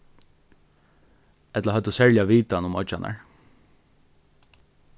ella høvdu serliga vitan um oyggjarnar